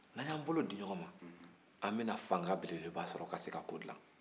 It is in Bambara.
n'an y'an bolo di ɲɔgɔn ma an bɛna fanga belebeba sɔrɔ ka se ka ko dilan